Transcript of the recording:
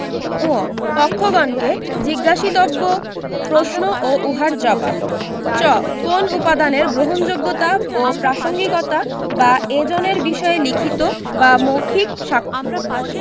ঙ পক্ষগণকে জিজ্ঞাসিতব্য প্রশ্ন ও উহার জবাব চ কোন উপাদানের গ্রহণযোগ্যতা ও প্রাসংগিকতা বা এজনের বিষয়ে লিখিত বা মৌখিক সাক্ষ্য